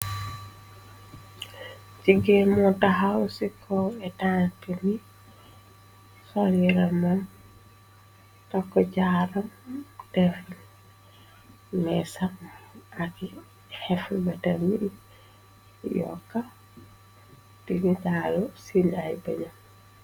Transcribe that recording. Jigemo tahawci kow be tan, tini xonira man, tako jaram, tef mesa, aki xef, bata miri yokka, tinitalu sin ay bana.